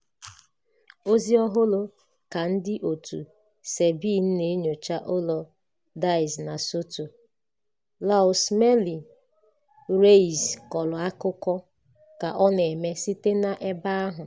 [Ozi ọhụrụ] Ka ndị òtù SEBIN na-enyocha ụlọ Diaz na Soto, Luz Mely Reyes kọrọ akụkọ ka ọ na-eme site n'ebe ahụ.